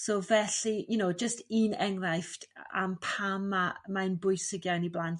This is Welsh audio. So felly you know jyst un enghraifft am pam ma' mae'n bwysig iawn i blant